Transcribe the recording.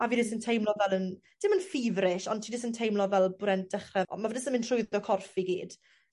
a fi jyst yn teimlo fel yn dim yn feverish on' ti jys yn teimlo fel bo'r e'n dechre on' ma' fe jys yn myn' trwyddo corff fi gyd.